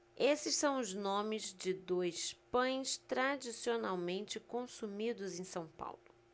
esses são os nomes de dois pães tradicionalmente consumidos em são paulo